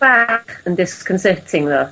...bach yn disconcerting tho?